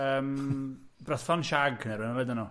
Yym Brython Shag neu' be' denon nhw?